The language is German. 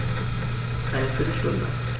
Eine viertel Stunde